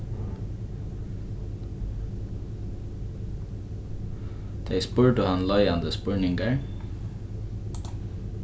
tey spurdu hann leiðandi spurningar